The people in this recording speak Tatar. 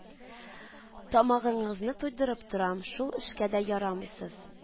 Тамагыңызны туйдырып торам, шул эшкә дә ярамыйсыз